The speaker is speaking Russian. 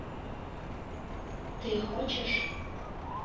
ты хочешь